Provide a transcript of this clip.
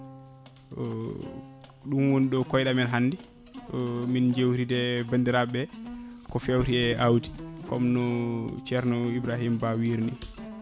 ɗum woni ɗo koyɗamen hannde min jewtide e bandirɓe ɓe ko fewti e awdi comme ceerno Ibrahima Ba wiiri ni